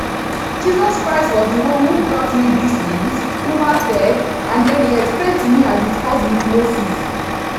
Jesus Christ was the one who brought me this news, Ouma said, and then he explained it to me as it was with Moses.